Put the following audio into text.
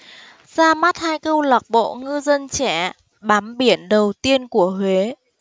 ra mắt hai câu lạc bộ ngư dân trẻ bám biển đầu tiên của huế